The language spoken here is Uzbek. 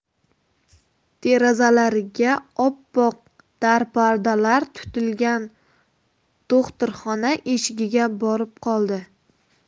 derazalariga oppoq darpardalar tutilgan do'xtirxona eshigiga borib qoldi